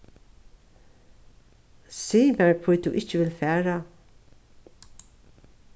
sig mær hví tú ikki vilt fara